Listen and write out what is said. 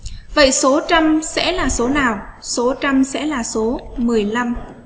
số chăm sẽ là số nào số trang sẽ là số